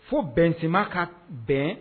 Fo bɛnsenma ka bɛn